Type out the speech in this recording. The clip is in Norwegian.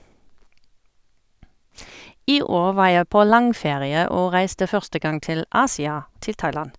I år var jeg på langferie og reiste første gang til Asia, til Thailand.